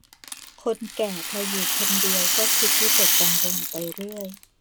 คนแก่พออยู่คนเดียวก็คิดวิตกกังวลไปเรื่อย